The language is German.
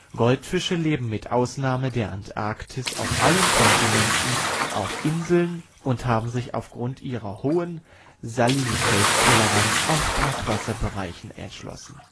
Goldfische leben mit Ausnahme der Antarktis auf allen Kontinenten, auf Inseln und haben sich aufgrund ihrer hohen Salinitätstoleranz auch Brackwasserbereiche erschlossen